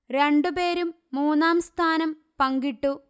രണ്ടുപേരും മൂന്നാം സ്ഥാനം പങ്കിട്ടു